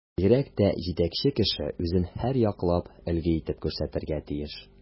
Бигрәк тә җитәкче кеше үзен һәрьяклап өлге итеп күрсәтергә тиеш.